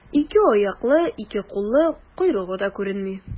Ике аяклы, ике куллы, койрыгы да күренми.